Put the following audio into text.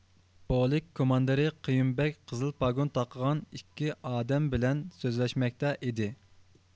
پولك كوماندىرى قېييۇمبەگ قىزىل پاگون تاقىغان ئىككى ئادەم بىلەن سۆزلەشمەكتە ئىدى